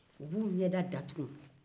u b'u ɲɛda datugu